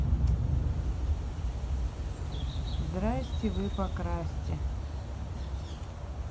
здрасте вы покрасьте